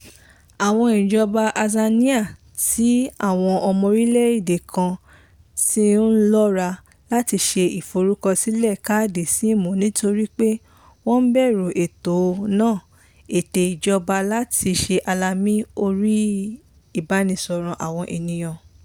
Àwọn ìjábọ̀ Azania tí àwọn ọmọ orílẹ̀ èdè kan ti ń lọ́ra láti ṣe ìforúkọsílẹ̀ káàdì SIM wọn nítorí pé wọ́n ń bẹ̀rù ètò náà "ète ìjọba láti ṣe alamí ẹ̀rọ ìbánisọ̀rọ̀ àwọn ènìyàn".